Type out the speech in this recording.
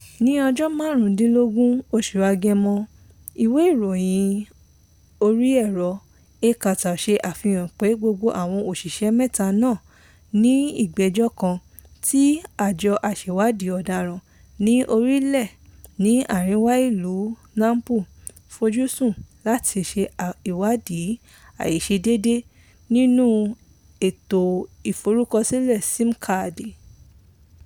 Ní ọjọ́ 15 oṣù Agẹmọ, ìwé ìròyìn orí ẹ̀rọ A Carta ṣe àfihàn pé gbogbo àwọn òṣìṣẹ́ mẹ́ta náà ni ìgbẹ́jọ́ kan tí Àjọ Aṣèwádìí Ọ̀daràn ní Orílẹ̀ ní àríwá ìlú Nampula fojú sùn láti lè ṣe ìwádìí àìṣedéédé nínú ètò ìforúkọsílẹ̀ SIM kaàdì.